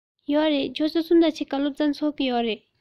ཡོད རེད ཆུ ཚོད གསུམ དང ཕྱེད ཀར སློབ ཚན ཚུགས ཀྱི རེད